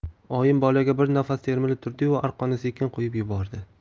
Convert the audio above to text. oyim bolaga bir nafas termilib turdiyu arqonni sekin qo'yib yubordi